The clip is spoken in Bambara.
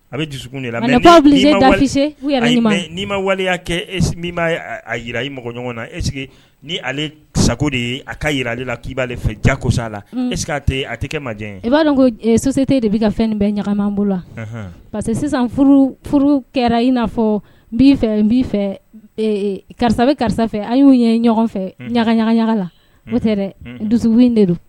A bɛ dusu de la mɛse n'i ma waleya yi i mɔgɔ ɲɔgɔn na e ni ale sago de ye a ka jira ale la k'i b'ale fɛ ja ko sa a la e a tɛ kɛ majɛ i b'a ko so tɛ de bɛ ka fɛn bɛ ɲagaman bolo la parce que sisan kɛra in n'a fɔ n fɛ n fɛ karisa bɛ karisa fɛ an' ye ɲɔgɔn fɛ ɲaga ɲaga ɲagala o tɛ dɛ dusu de don